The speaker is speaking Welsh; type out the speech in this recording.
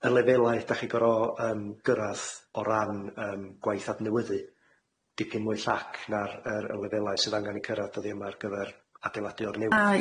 y lefelau dach chi goro yym gyrradd o ran yym gwaith adnewyddu dipyn mwy llac na'r yr y lefelau sydd angan 'i cyrradd oddi yma ar gyfer adeiladu o'r newydd.